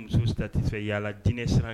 Muso ta tɛ fɛ yalala diinɛ san